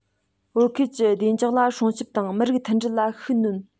བོད ཁུལ གྱི བདེ འཇགས ལ སྲུང སྐྱོབ དང མི རིགས མཐུན སྒྲིལ ལ ཤུགས སྣོན